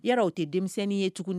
Yɛrɛw tɛ denmisɛnnin ye tugun na